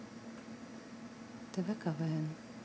тв квн